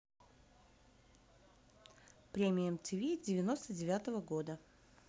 премия mtv девяносто девятого года